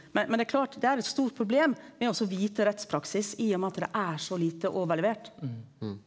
men men det er klart det er eit stort problem med og så vite rettspraksis i og med at det er så lite overlevert.